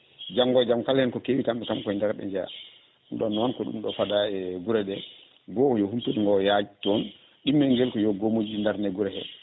janggo e jaam kala hen ko kewi kamɓe ko nder ɓe jeeya ɗum ɗon noon ko ɗum ɗo faada e guureɗe goho yo humpitogo yaaj toon ɗimmel nguel ko yoo goomuji ɗi darne e guure he